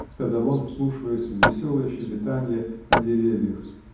— сказал он, вслушиваясь в веселое щебетанье на деревьях.